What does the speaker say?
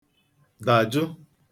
dàjụ